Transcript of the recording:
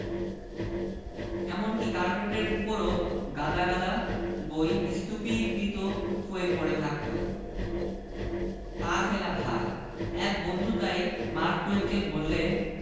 এমনকি কার্পেটের উপরও গাদা গাদা বই স্তূপীকৃত হয়ে পড়ে থাকত পা ফেলা ভার এক বন্ধু তাই মার্ক টুয়েনকে বললেন